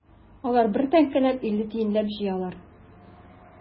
Алар бер тәңкәләп, илле тиенләп җыялар.